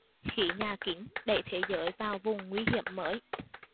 khí nhà kính đẩy thế giới vào vùng nguy hiểm mới